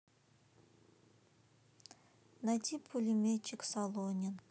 найди пулеметчик солонин